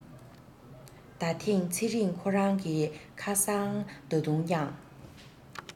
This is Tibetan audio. ད ཐེངས ཚེ རིང ཁོ རང གི ཁ སང ད དུང ཀྱང